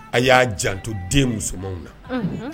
A y'a janto den musomanw na